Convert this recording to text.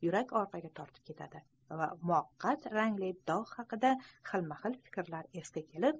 yurak orqaga tortib ketadi va muvaqqat rangli dog' haqida xilma xil fikrlar esga kelib